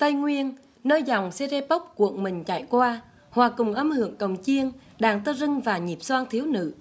tây nguyên nơi dòng sê rê pốc cuộn mình chảy qua hòa cùng âm hưởng cồng chiêng đàn tơ rưng và nhịp xoang thiếu nữ